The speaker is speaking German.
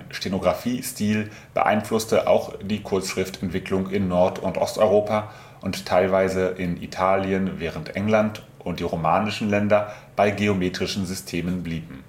Stenografiestil beeinflusste auch die Kurzschriftentwicklung in Nord - und Osteuropa und teilweise in Italien, während England und die romanischen Länder bei geometrischen Systemen blieben